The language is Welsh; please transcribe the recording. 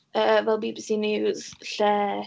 Yy fel BBC News, lle...